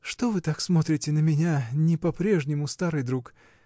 — Что вы так смотрите на меня, не по-прежнему, старый друг?